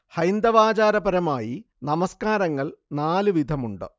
ഹൈന്ദവാചാരപരമായി നമസ്കാരങ്ങൾ നാല് വിധമുണ്ട്